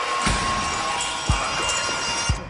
Drws ar agor.